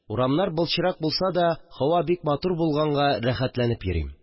Урамнар былчырак булса да, һава бик матур булганга, рәхәтләнеп йөрим